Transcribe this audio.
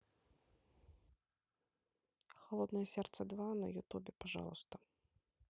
холодное сердце два на ютубе пожалуйста